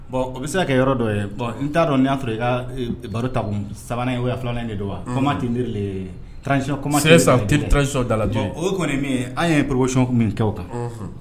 Bon o bɛ se ka kɛ yɔrɔ dɔ ye bon n t'a dɔn n'a sɔrɔ i ka baro takun sabanan o filanan de don wa, comment tenir le transition, c'est ça transition dans la durée o kɔni anw ye proposition min kɛ o kan